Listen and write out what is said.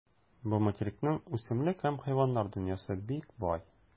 Бу материкның үсемлек һәм хайваннар дөньясы бик бай.